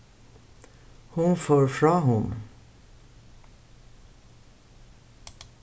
hon fór frá honum